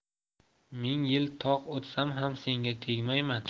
ming yil toq o'tsam ham senga tegmayman